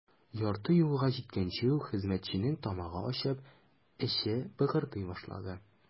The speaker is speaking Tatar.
Ярты юлга җиткәнче үк хезмәтченең тамагы ачып, эче быгырдый башлаган.